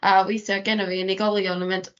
a weithia' genno fi unigolion yn mynd